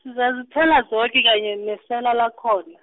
sizazithola zoke kanye nesela lakhona.